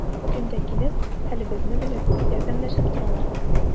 Көн дә килеп, хәлебезне белеп, ярдәмләшеп торалар.